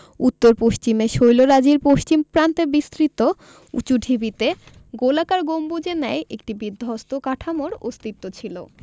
উত্তর পশ্চিমে শৈলরাজির পশ্চিম প্রান্তের বিস্তৃত উঁচু ঢিবিতে গোলাকার গম্বুজের ন্যায় একটি বিধ্বস্ত কাঠামোর অস্তিত্ব ছিল